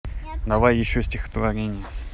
давай еще стихотворение